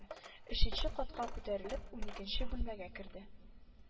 Өченче катка күтәрелеп уникенче бүлмәгә керде